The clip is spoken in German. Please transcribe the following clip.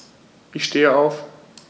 Ich stehe auf.